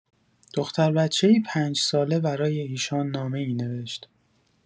دختربچه‌ای ۵ ساله برای ایشان نامه‌ای نوشت.